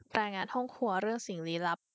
รายงานห้องครัวเรื่องสิ่งลี้ลับ